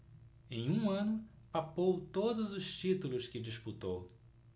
em um ano papou todos os títulos que disputou